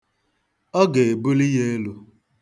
Ọ ga-ebuli ya elu.